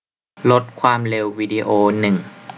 ลดความเร็ววีดีโอหนึ่ง